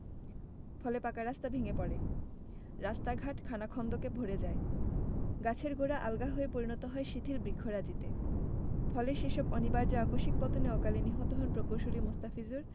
ফলে পাকা রাস্তা ভেঙ্গে পড়ে রাস্তাঘাট খানাখন্দকে ভরে যায় গাছের গোড়া আলগা হয়ে পরিণত হয় শিথিল বৃক্ষরাজিতে ফলে সে সবের অনিবার্য আকস্মিক পতনে অকালে নিহত হন প্রকৌশলী মোস্তাফিজুর